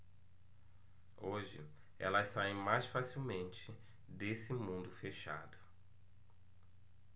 hoje elas saem mais facilmente desse mundo fechado